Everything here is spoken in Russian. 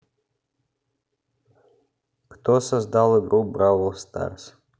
кто создал игру brawl stars